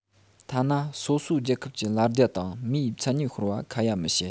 ཐ ན སོ སོའི རྒྱལ ཁབ ཀྱི ལ རྒྱ དང མིའི མཚན ཉིད ཤོར བ ཁ ཡ མི བྱེད